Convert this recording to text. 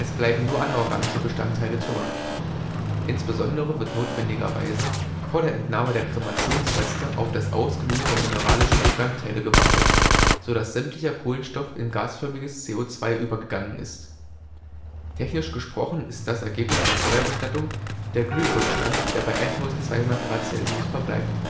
bleiben nur anorganische Bestandteile zurück. Insbesondere wird notwendigerweise vor der Entnahme der Kremationsreste auf das Ausglühen der mineralischen Bestandteile gewartet, sodass sämtlicher Kohlenstoff in gasförmiges CO2 übergegangen ist. Technisch gesprochen ist das Ergebnis der Feuerbestattung der Glührückstand, der bei 1200 °C verbleibt